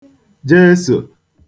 Jeso